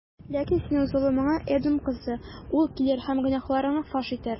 Ләкин синең золымыңа, Эдом кызы, ул килер һәм гөнаһларыңны фаш итәр.